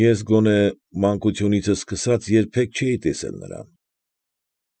Ես գոնե մանկությունիցս սկսած երբեք չէի տեսել նրան։